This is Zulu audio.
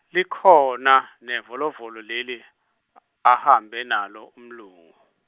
likhona nevolovolo leli a- ahambe nalo umlungu.